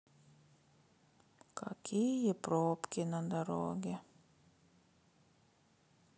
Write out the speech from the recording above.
какие пробки на дороге